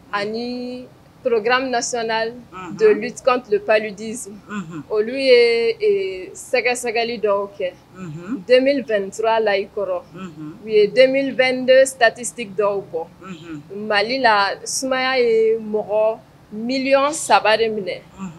Ani torokdiranmin son dotuplidz olu ye sɛgɛsɛgɛli dɔw kɛ den2turala i kɔrɔ u ye den2 tatisi dɔw bɔ mali la sumaya ye mɔgɔ miliy sabari minɛ